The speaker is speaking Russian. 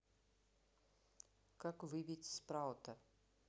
как выбить спраута